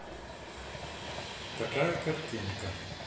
такая картинка